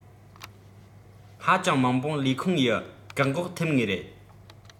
ཧ ཅང མང པོ ལས ཁུང ཡི བཀག འགོག ཐེབས ངེས རེད